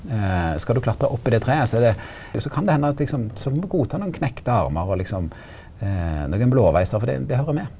skal du klatra opp i det treet så er det jo så kan det hende at liksom så må du godta nokon knekte armar og liksom nokon blåveisar for det det høyrer med.